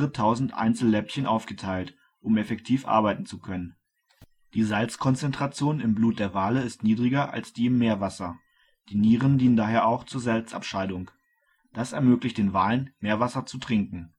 tausend Einzelläppchen (Reniculi) aufgeteilt, um effektiv arbeiten zu können. Die Salzkonzentration in Blut der Wale ist niedriger als die im Meerwasser; die Nieren dienen daher auch zur Salzabscheidung. Das ermöglicht den Walen, Meerwasser zu " trinken